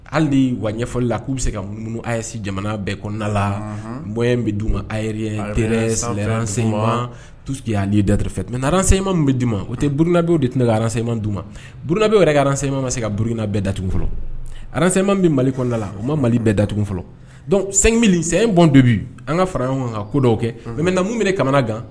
Hali wa ɲɛfɔli la k'u bɛ se kase jamana bɛɛ kɔnɔna la n bɔ bɛ di aranma tu y' dafɛ mɛ ara sema min bɛ d di o tɛ buruinabew de tɛna ka araranseema d ma bna bɛ wɛrɛ yɛrɛ araranema ma se ka buruina bɛɛ dat fɔlɔ zema bɛ mali kɔnɔnada la o ma mali bɛɛ datugu fɔlɔ mi sɛbon dɔbi an ka fara ɲɔgɔn kan ka ko dɔw kɛ mɛ namu minɛ kamana kan